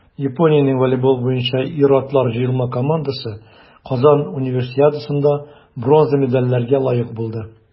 Япониянең волейбол буенча ир-атлар җыелма командасы Казан Универсиадасында бронза медальләргә лаек булды.